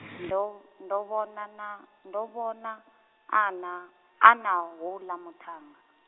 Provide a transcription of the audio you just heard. ndo ndo vhona na, ndo vhona ana, ana houḽa muṱhannga.